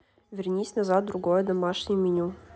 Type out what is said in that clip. вернись назад в другое домашнее меню